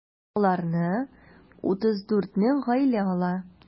Аларны 34 мең гаилә ала.